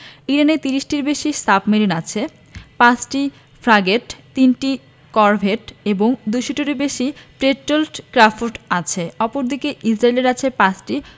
ইরানের ৩০টির বেশি সাবমেরিন আছে ৫টি ফ্র্যাগেট ৩টি করভেট এবং ২০০ টিরও বেশি পেট্রল ক্র্যাফট আছে অপরদিকে ইসরায়েলের আছে ৫টি